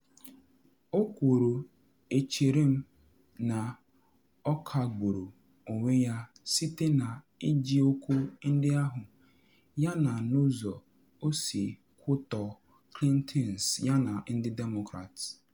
O kwuru “echere m na ọ kagburu onwe ya site na iji okwu ndị ahụ yana n’ụzọ o si kwutọọ Clintons yana ndị Demokrat,”